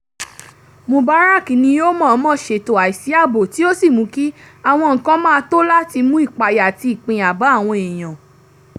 mubarak ni ó mọ̀ọ́mọ̀ ṣètò àìsí ààbò tí ó sì mú kí àwọn nǹkan má tòó láti mú ìpayà àti ìpínyà bá àwọn èèyàn #Jan25